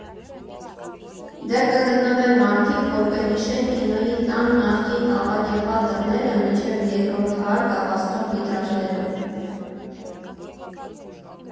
Դեռ կգտնվեն մարդիկ, որ կհիշեն Կինոյի տան նախկին ապակեպատ դռները՝ մինչև երկրորդ հարկը հասնող վիտրաժներով։